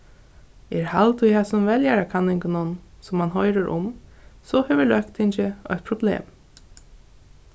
er hald í hasum veljarakanningunum sum mann hoyrir um so hevur løgtingið eitt problem